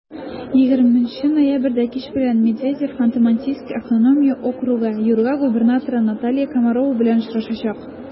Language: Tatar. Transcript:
20 ноябрьдә кич белән медведев ханты-мансийск автоном округы-югра губернаторы наталья комарова белән очрашачак.